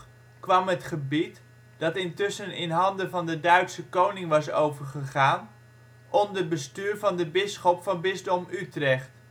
kwam het gebied, dat intussen in handen van de Duitse koning was overgegaan, onder bestuur van de bisschop van Bisdom Utrecht